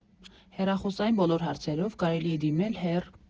Հեռախոսային բոլոր հարցերով կարելի է դիմել հեռ.